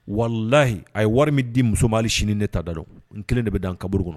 Walahi a ye wari min di muso ma hali sini ne ta da dɔn n kelen de bɛ da n kaburu kɔnɔ.